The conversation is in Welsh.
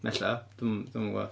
Ella, dwi'm dwi'm yn gwybod.